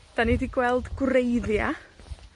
'Dan ni 'di gweld gwreiddia'.